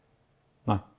nei.